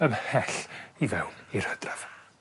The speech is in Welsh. ...ymhell i fewn i'r Hydref.